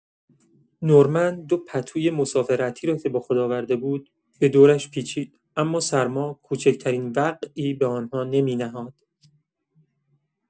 نورمن دو پتوی مسافرتی را که با خود آورده بود، به دورش پیچید، اما سرما کوچک‌ترین وقعی به آن‌ها نمی‌نهاد.